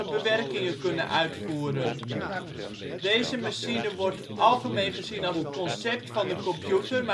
bewerkingen kunnen uitvoeren. Deze machine wordt algemeen gezien als het concept van de computer